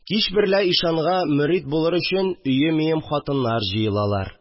Кич берлә ишанга мөрид булыр өчен, өем-өем хатыннар җыелалар